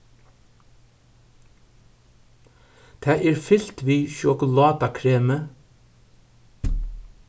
tað er fylt við sjokulátakremi